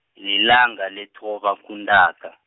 lilanga lethoba kuNtaka.